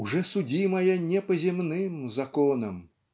уже судимая не по земным законам"